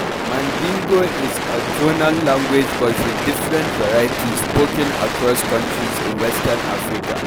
Mandingo (also called Mandenkan, Maninka, Mandingo, or Manding) is a tonal language but with different varieties spoken across countries in Western Africa.